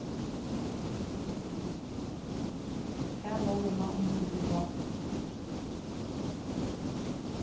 tað lógina umsitur dátueftirlitið